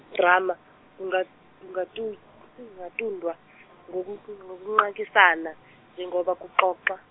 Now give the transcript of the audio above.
-drama kunga- kungafu- kungafundwa ngoku- ngokunqakisana njengoba kuxoxwa.